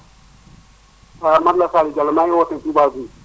waaw man la Saliou Diallo maa ngi wootee Touba ville